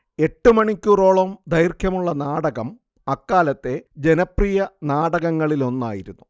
എട്ടുമണിക്കൂറോളം ദൈർഘ്യമുള്ള നാടകം അക്കാലത്തെ ജനപ്രിയ നാടകങ്ങളിലൊന്നായിരുന്നു